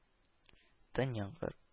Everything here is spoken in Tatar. Тын яңгыр